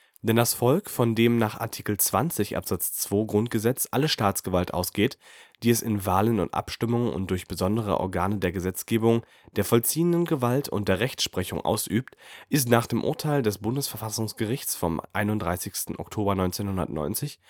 Denn das Volk, von dem nach Art. 20 Abs. 2 GG alle Staatsgewalt ausgeht, die es in Wahlen und Abstimmungen und durch besondere Organe der Gesetzgebung, der vollziehenden Gewalt und der Rechtsprechung ausübt, ist nach dem Urteil des Bundesverfassungsgerichts vom 31. Oktober 1990